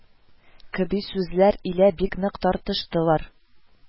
Кеби сүзләр илә бик нык тартыштылар